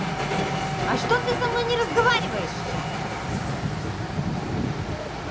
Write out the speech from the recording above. а что ты со мной не разговариваешь